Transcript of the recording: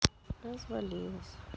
развалилась